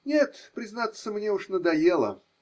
– Нет, признаться, мне уж надоело.